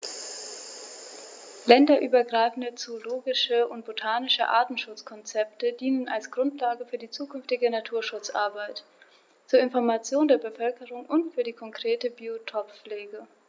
Länderübergreifende zoologische und botanische Artenschutzkonzepte dienen als Grundlage für die zukünftige Naturschutzarbeit, zur Information der Bevölkerung und für die konkrete Biotoppflege.